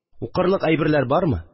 Укырлык әйберләр бармы